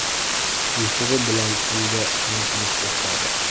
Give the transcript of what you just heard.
tumshug'i bilan qumga sanchilib to'xtadi